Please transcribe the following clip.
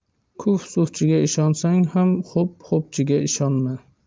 kuf sufchiga ishonsang ham xo'p xo'pchiga ishonma